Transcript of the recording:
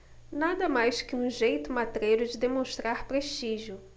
nada mais que um jeito matreiro de demonstrar prestígio